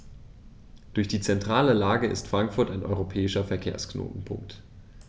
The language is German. Durch die zentrale Lage ist Frankfurt ein europäischer Verkehrsknotenpunkt.